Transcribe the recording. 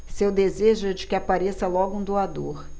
seu desejo é de que apareça logo um doador